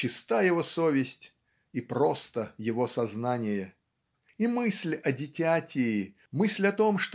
чиста его совесть и просто его сознание. И мысль о дитяти мысль о том